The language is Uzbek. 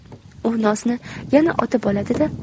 u nosni yana otib oladi da